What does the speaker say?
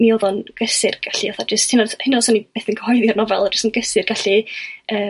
mi oddo'n gysur gallu 'atha jyst hyd yn oed, hyd yn oed os fyswn i byth yn cyhoeddi'r nofel jyst yn gysur gallu